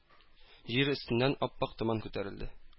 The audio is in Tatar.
Җир өстеннән ап-ак томан күтәрелде.